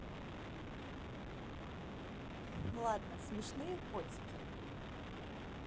ладно смешные котики